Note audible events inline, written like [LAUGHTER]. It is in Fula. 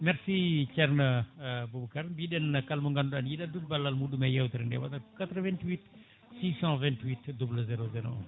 merci ceerni [HESITATION] Boubacar mbiɗen kala mo ganduɗa ne yiiɗi addude ballal muɗum e yewtere nde waɗata ko 88 628 00 01